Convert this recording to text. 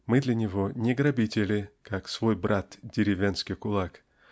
Мы для него--не грабители, как свой брат деревенский кулак